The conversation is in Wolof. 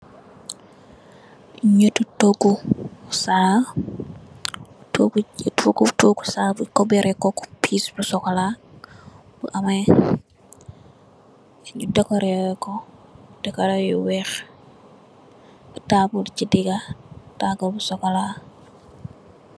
Nyaati toogu saal, toogu toogu saal bi kubeere ko pees bu sokola, bu am ay, nyu dekore ko dekore yu weex, taabul si digge, taabul bu sokola